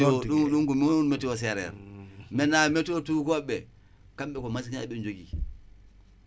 maintenant météo